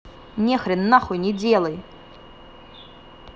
нехрен нахуй не делай